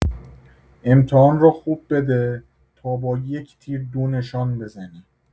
امتحان را خوب بده تا با یک تیر دو نشان بزنی.